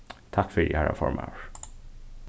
takk fyri harra formaður